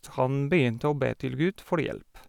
Så han begynte å be til Gud for hjelp.